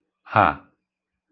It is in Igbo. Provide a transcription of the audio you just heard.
hà